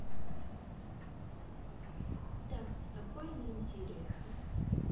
да с тобой не интересно